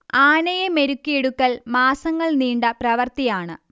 ആനയെ മെരുക്കിയെടുക്കൽ മാസങ്ങൾ നീണ്ട പ്രവൃത്തിയാണ്